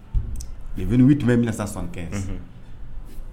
tun bɛ mina sa san kɛ